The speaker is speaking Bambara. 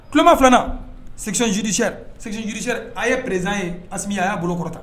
Kuloma 2 nan section judiciaire an ye président ye Asimi ye a y'a bolo kɔrɔta.